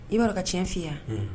I b'a ka tiɲɛ f'i ye wa, unhun.